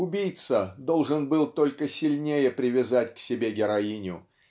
Убийца должен был только сильнее привязать к себе героиню